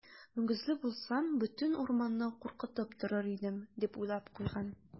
Мөгезле булсам, бөтен урманны куркытып торыр идем, - дип уйлап куйган.